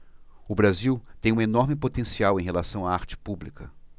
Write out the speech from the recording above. o brasil tem um enorme potencial em relação à arte pública